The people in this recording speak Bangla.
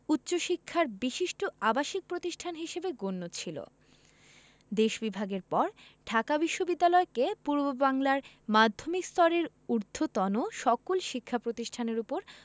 উচ্চশিক্ষার বিশিষ্ট আবাসিক প্রতিষ্ঠান হিসেবে গণ্য ছিল দেশ বিভাগের পর ঢাকা বিশ্ববিদ্যালয়কে পূর্ববাংলার মাধ্যমিক স্তরের ঊধ্বর্তন সকল শিক্ষা প্রতিষ্ঠানের ওপর